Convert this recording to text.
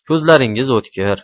ko'zlaringiz o'tkir